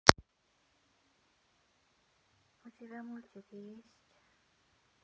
у тебя мультики есть